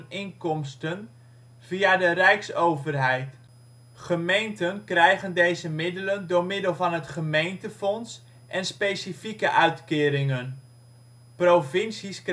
inkomsten via de rijksoverheid. Gemeenten krijgen deze middelen door middel van het gemeentefonds en specifieke uitkeringen. Provincies